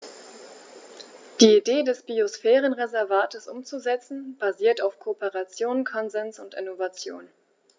Die Idee des Biosphärenreservates umzusetzen, basiert auf Kooperation, Konsens und Innovation.